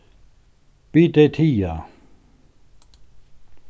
bið tey tiga